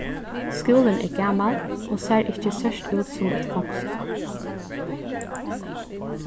skúlin er gamal og sær ikki sørt út sum eitt fongsul